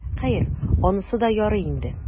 Хәер, анысы да ярый инде.